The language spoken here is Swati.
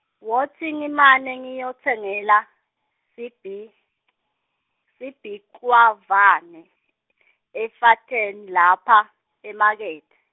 wotsi ngimane ngiyotsengela, Sibhi- Sibhikivane, emafeti lapha, emakethe.